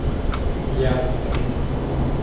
я даже